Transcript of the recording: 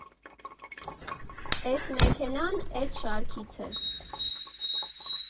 Էս մեքենան՝ էդ շարքից է։